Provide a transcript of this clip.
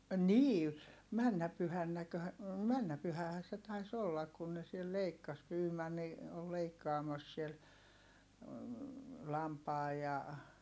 niin menneenä pyhänäkö mennyt pyhähän se taisi olla kun ne siellä leikkasi Byman oli leikkaamassa siellä lampaan ja